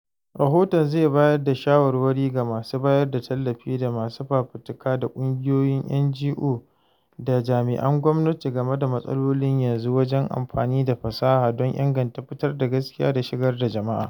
Rahoton zai bayar da shawarwari ga masu bayar da tallafi da masu fafutuka da ƙungiyoyin NGO da jami’an gwamnati game da matsalolin yanzu wajen amfani da fasaha don inganta fitar da gaskiya da shigar da jama’a.